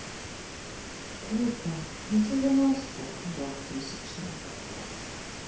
клипы девяностые двухтысячные